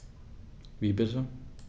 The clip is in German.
Wie bitte?